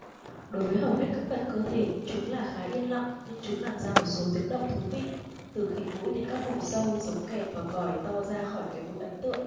đối với hầu hết các phần cơ thể chúng là khá yên lặng nhưng chúng làm ra một số tiếng động thú vị từ khịt mũi đến các vùng sâu giống kèn và còi to ra khỏi cái mũi ấn tượng